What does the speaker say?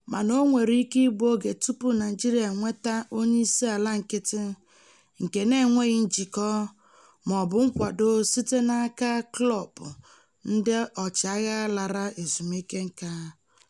Mana o nwere ike igbu oge tupu Naịjirịa enweta onyeisiala nkịtị nke na-enweghị njikọ ma ọ bụ nkwado site n'aka "klọọbụ" ndị ọchịagha lara ezumike nka.